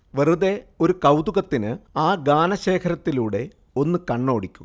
വെറുതെ ഒരു കൗതുകത്തിന് ആ ഗാനശേഖരത്തിലൂടെ ഒന്ന് കണ്ണോടിക്കുക